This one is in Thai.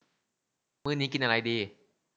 มื้อนี้กินอะไรดี